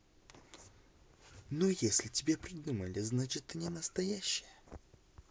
ну если тебя придумали значит ты ненастоящая